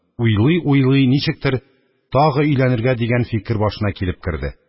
Уйлый-уйлый, ничектер, «тагы өйләнергә» дигән фикер башына килеп керде.